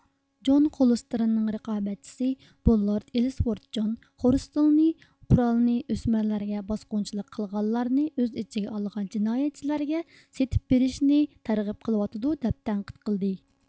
جون خورستىلنىڭ رىقابەتچىسى بوللارد ئېللىسۋورتجون خورستىلنى قورالنى ئۆسمۈرلەرگە باسقۇنچىلىق قىلغانلارنى ئۆز ئىچىگە ئالغان جىنايەتچىلەرگە سېتىپ بېرىشنى تەرغىب قىلىۋاتىدۇ دەپ تەنقىد قىلدى